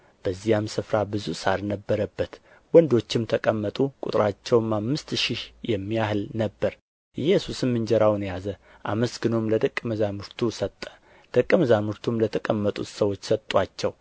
በዚያም ስፍራ ብዙ ሣር ነበረበት ወንዶችም ተቀመጡ ቍጥራቸውም አምስት ሺህ የሚያህል ነበር ኢየሱስም እንጀራውን ያዘ አመስግኖም ለደቀ መዛሙርቱ ሰጠ ደቀ መዛሙርቱም ለተቀመጡት ሰዎች ሰጡአቸው